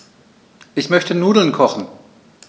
Ich möchte Nudeln kochen.